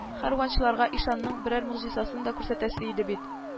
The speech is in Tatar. Кәрванчыларга ишанның берәр могҗизасын да күрсәтәсе иде бит